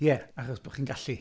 Ie, achos bod chi'n gallu.